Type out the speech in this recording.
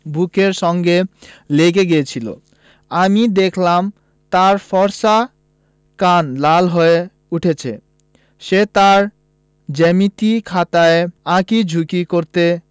বুকের সঙ্গে লেগে গিয়েছিলো আমি দেখলাম তার ফর্সা কান লাল হয়ে উঠছে সে তার জ্যামিতি খাতায় আঁকি ঝুকি করতে